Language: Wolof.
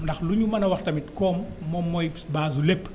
ndax lu ñu mën a wax tamit koom moom mooy base u lépp